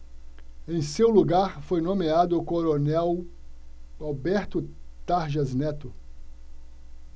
em seu lugar foi nomeado o coronel alberto tarjas neto